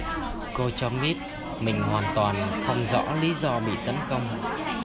cô cho biết mình hoàn toàn không rõ lý do bị tấn công